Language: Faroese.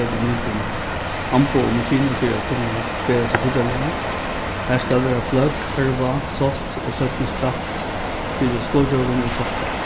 krevur nútímans amboð og maskinur fyri at kunna bera seg fíggjarliga har skal verða pløgg harvað sátt og seinni spratt fyri skordjórum og soppum